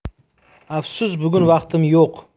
afsus bugun vaqtim yo'q